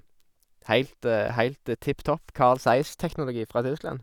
heilt Heilt tipp topp Carl Zeiss-teknologi fra Tyskland.